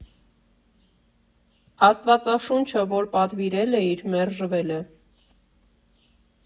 «Աստվածաշունչը որ պատվիրել էիր, մերժվել է»։